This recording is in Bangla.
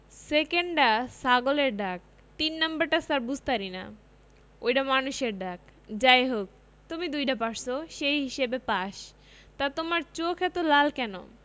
সেকেন ডা ছাগলের ডাক তিন নাম্বারডা ছার বুঝতারিনা ওইডা মানুষের ডাক যাই হোক তুমি দুইডা পারছো সেই হিসেবে পাস তা তোমার চোখ এত লাল কেন